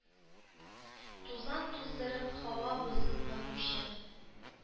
Тузан туздырып, һава бозып кайтучы